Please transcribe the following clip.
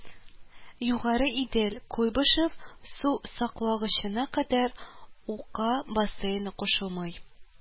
Югары Идел, Куйбышев сусаклагычына кадәр Ука бассейны кушылмый